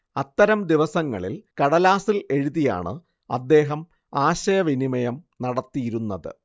അത്തരം ദിവസങ്ങളിൽ കടലാസിൽ എഴുതിയാണ് അദ്ദേഹം ആശയവിനിമയം നടത്തിയിരുന്നത്